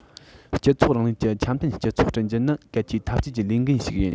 སྤྱི ཚོགས རིང ལུགས ཀྱི འཆམ མཐུན སྤྱི ཚོགས བསྐྲུན རྒྱུ ནི གལ ཆེའི འཐབ ཇུས ཀྱི ལས འགན ཞིག ཡིན